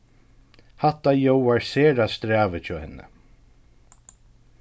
hatta ljóðar sera strævið hjá henni